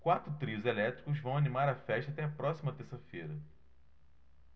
quatro trios elétricos vão animar a festa até a próxima terça-feira